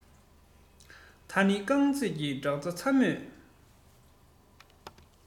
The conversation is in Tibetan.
ད ནི ཁང བརྩེགས ཀྱི བྲག ཅ ཚ མོས